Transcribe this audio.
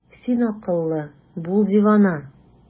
Син акыллы, бул дивана!